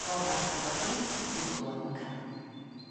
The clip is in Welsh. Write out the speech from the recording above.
gora' i godi i'w clywad nw'n canu.